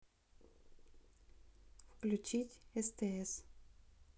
включить стс